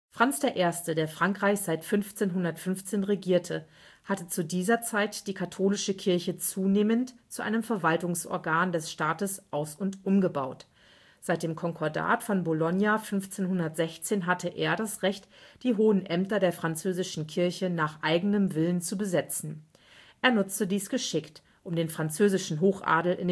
Franz I., der Frankreich seit 1515 regierte, hatte zu dieser Zeit die katholische Kirche zunehmend zu einem Verwaltungsorgan des Staates aus - und umgebaut: Seit dem Konkordat von Bologna 1516 hatte er das Recht, die hohen Ämter der französischen Kirche nach eigenem Willen zu besetzen. Er nutzte dies geschickt, um den französischen Hochadel